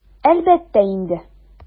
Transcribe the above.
Әлбәттә инде!